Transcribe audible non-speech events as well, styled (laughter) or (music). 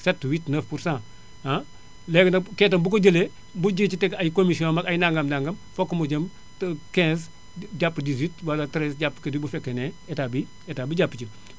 7 8 9% (hesitation) léegi nag kee itam bu ko jëlee bëgg ci teg ay commissions !fra am ak ay nangam nangam fokk mu dem 15 jàpp 18 wala 13 jàpp 14 bu fekkee ne Etat bi Etat bi jàppu ci